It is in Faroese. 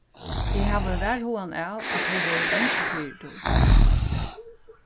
eg havi varhugan av at tey vóru bangin fyri tí